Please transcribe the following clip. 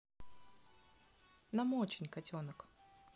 нам очень котенок